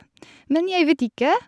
Men jeg vet ikke.